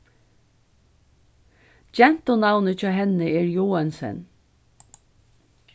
gentunavnið hjá henni er joensen